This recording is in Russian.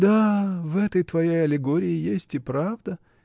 — Да, в этой твоей аллегории есть и правда.